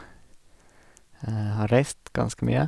Jeg har reist ganske mye.